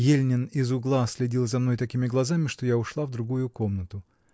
Ельнин из угла следил за мной такими глазами, что я ушла в другую комнату.